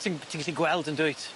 Ti'n ti'n gallu gweld yndwyt?